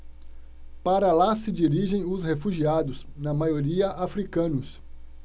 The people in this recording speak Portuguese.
para lá se dirigem os refugiados na maioria hútus